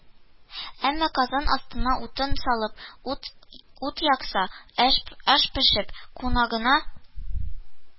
Әмма казан астына утын салып, ут якса, аш пешеп, кунагына